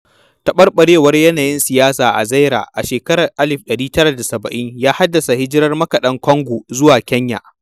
Taɓarɓarewar yanayin siyasa a Zaire a shekarar 1970 ya haddasa hijirar makaɗan Congo zuwa Kenya.